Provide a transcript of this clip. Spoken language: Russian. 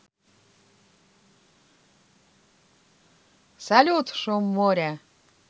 салют шум моря